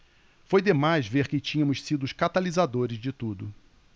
foi demais ver que tínhamos sido os catalisadores de tudo